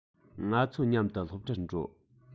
ང ཚོ མཉམ དུ སློབ གྲྭར འགྲོ